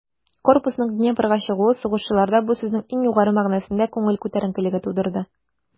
Корпусның Днепрга чыгуы сугышчыларда бу сүзнең иң югары мәгънәсендә күңел күтәренкелеге тудырды.